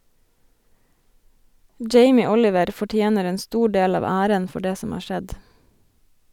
Jamie Oliver fortjener en stor del av æren for det som har skjedd.